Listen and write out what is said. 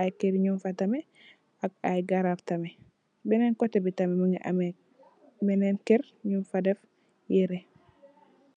ay kër nung fa tamit ak ay garab tamit. Benn kotè bi tamit mungi ameh benn kër nung fa deff yirè.